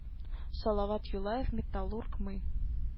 Салават юлаев металлург мы